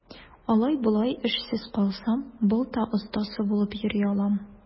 Алай-болай эшсез калсам, балта остасы булып йөри алам.